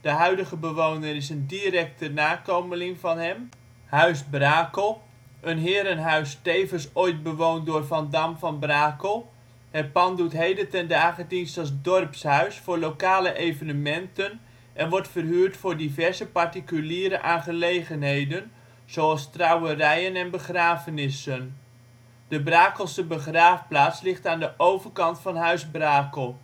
huidige bewoner is een directe nakomeling van D.W. van Dam van Brakel. Huis Brakel, een herenhuis tevens ooit bewoond door Van Dam van Brakel. Het pand doet heden ten dage dienst als dorpshuis voor lokale evenementen en wordt verhuurd voor diverse particuliere aangelegenheden, zoals trouwerijen en begrafenissen. De Brakelse begraafplaats ligt aan de overkant van Huis Brakel